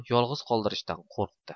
yolg'iz qoldirishdan qo'rqdi